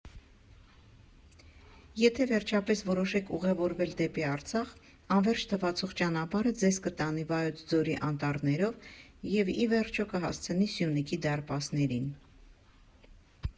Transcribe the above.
Երբ վերջապես որոշեք ուղևորվել դեպի Արցախ, անվերջ թվացող ճանապարհը ձեզ կտանի Վայոց ձորի անտառներով և, ի վերջո, կհասցնի Սյունիքի դարպասներին։